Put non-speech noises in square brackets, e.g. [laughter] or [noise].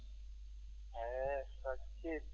[hesitation] radio Thiel